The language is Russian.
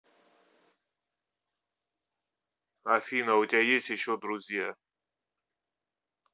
афина у тебя есть еще друзья